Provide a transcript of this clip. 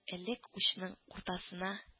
Элек учның уртасына